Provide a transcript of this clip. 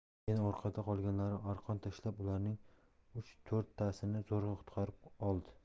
keyin orqada qolganlari arqon tashlab ularning uchto'rttasini zo'rg'a qutqarib oldi